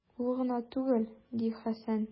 Ул гына түгел, - ди Хәсән.